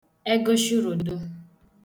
egaoshirùdụ